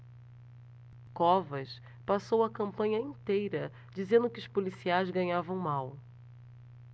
covas passou a campanha inteira dizendo que os policiais ganhavam mal